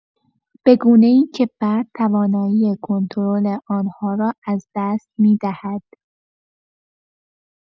به‌گونه‌ای که فرد توانایی کنترل آن‌ها را از دست می‌دهد.